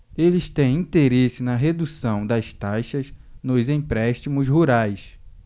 eles têm interesse na redução das taxas nos empréstimos rurais